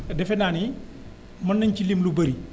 defe naa ni mën nañu ci lim lu bëri